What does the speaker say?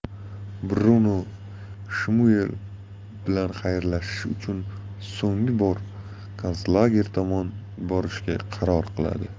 bruno shmuel bilan xayrlashish uchun so'nggi bor konslager tomon borishga qaror qiladi